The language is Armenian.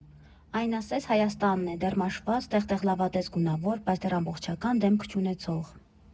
Այն ասես Հայաստանն է՝ դեռ մաշված, տեղ֊տեղ լավատես֊գունավոր, բայց դեռ ամբողջական դեմք չունեցող։